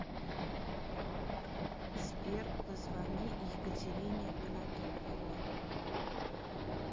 сбер позвони екатерине анатольевне